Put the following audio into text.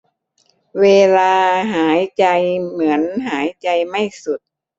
เวลาหายใจเหมือนหายใจไม่สุด